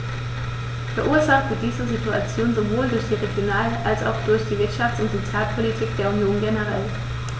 Verursacht wird diese Situation sowohl durch die Regional- als auch durch die Wirtschafts- und Sozialpolitik der Union generell.